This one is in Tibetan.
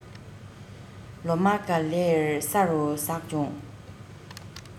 ལོ མ ག ལེར ས རུ ཟགས བྱུང